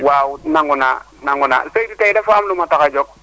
waaw nangu naa nangu naa Seydou tey dafa am lu ma tax a jóg